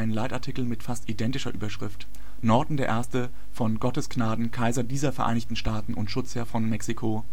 Leitartikel mit fast identischer Überschrift: „ Norton der Erste, von Gottes Gnaden Kaiser dieser Vereinigten Staaten und Schutzherr von Mexiko